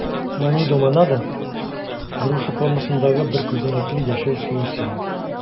Хламидомонада - груша формасындагы бер күзәнәкле яшел суүсем.